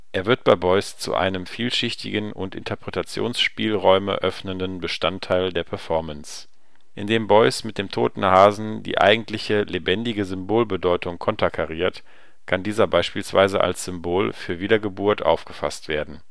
Er wird bei Beuys zu einem vielschichtigen und Interpretationsspielräume öffnenden Bestandteil der Performance. Indem Beuys mit dem toten Hasen die eigentliche lebendige Symbolbedeutung konterkariert, kann dieser beispielsweise als Symbol für Wiedergeburt aufgefasst werden